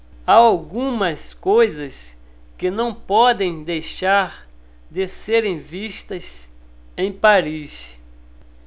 há algumas coisas que não podem deixar de serem vistas em paris